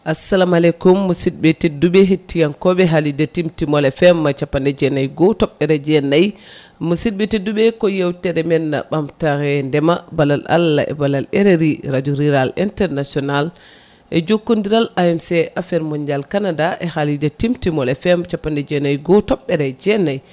assalamu aleykum musidɓe tedduɓe hettiyankoɓe haalirde Timtimol FM capanɗe jeenayyi e goho toɓɓere jeenayyi musidɓe tedduɓe ko yewtere men ɓamtare ndeema ballal Allah e ballal RRI radio rural international e jokkodiral AMC affaire mondial Canada e haalirde Timtimol FM capanɗe jeenayyi e goho toɓɓere jeenayyi